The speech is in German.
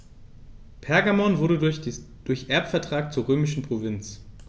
Pergamon wurde durch Erbvertrag zur römischen Provinz.